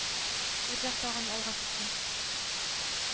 Әхәт үсте, буйга җитте.